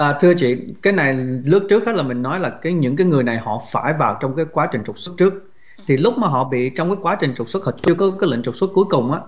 à thưa chị cái này lúc trước hết là mình nói là cái những cái người này họ phải vào trong cái quá trình trục xuất trước thì lúc mà họ bị trong cái quá trình trục xuất họ chưa có cái lệnh trục xuất cuối cùng á